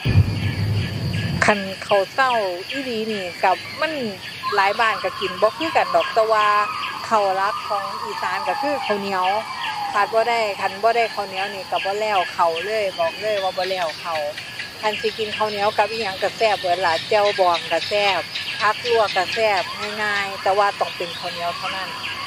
คันข้าวเช้าอีหลีหนิ เช้ามัน หลายบ้านเช้ากินบ่คือกันดอก แต่ว่าข้าวหลักของอีสานเช้าคือข้าวเหนียว ขาดบ่ได้ คันบ่ได้ข้าวเหนียวหนิ เช้าบ่แล้วข้าวเลย บอกเลยว่าบ่แล้วข้าว คันสิกินข้าวเหนียวกับอิหยังเช้าแซ่บเบิดล่ะ แจ่วบองเช้าแซ่บ ผักลวกเช้าแซ่บ ง่ายง่ายแต่ว่าต้องเป็นข้าวเหนียวเท่านั้น